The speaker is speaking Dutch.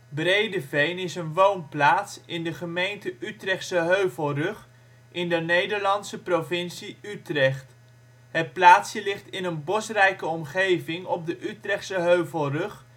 Breedeveen is een woonplaats in de gemeente Utrechtse Heuvelrug, in de Nederlandse provincie Utrecht. Het plaatsje ligt in een bosrijke omgeving op de Utrechtse Heuvelrug